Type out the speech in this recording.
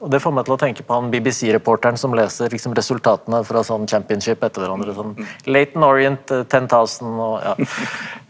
og det får meg til å tenke på han BBC-reporteren som leser liksom resultatene fra sånn etter hverandre sånn Leyton Orient og ja.